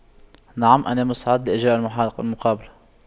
نعم أنا مستعد لإجراء المحاد المقابلة